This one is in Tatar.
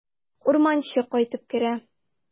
Урманчы кайтып керә.